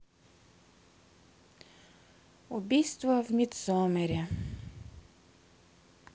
убийство в мидсомере